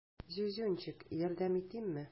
Зюзюнчик, ярдәм итимме?